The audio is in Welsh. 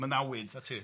Mynawyd. Na ti.